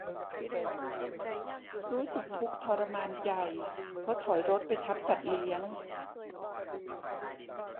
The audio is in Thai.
รู้สึกทุกข์ทรมานใจเพราะถอยรถไปทับสัตว์เลี้ยง